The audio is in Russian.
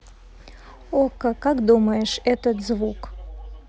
okko как ты думаешь этот звук